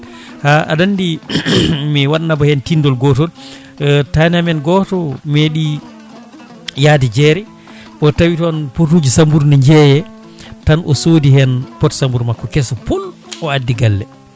ha aɗa andi mi naaba hen tindol gotol taani amen goto meeɗi yaade jeere o tawi toon potuji samburu ne jeeye tan o soodi hen pot samburu makko keeso puul o addi galle